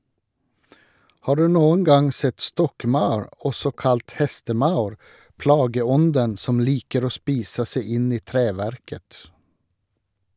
Har du noen gang sett stokkmaur, også kalt hestemaur, plageånden som liker å spise seg inn i treverket?